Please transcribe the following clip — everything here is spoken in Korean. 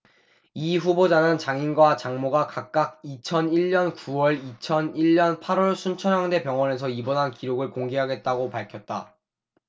이 후보자는 장인과 장모가 각각 이천 일 년 구 월 이천 일 년 팔 월 순천향대 병원에 입원한 기록을 공개하겠다고 밝혔다